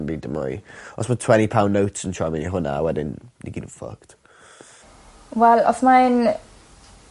dim byd dim mwy. Os ma' twen'y pound note yn troi mewn i hwnna wedyn ni gyd yn fucked* . Wel os mae'n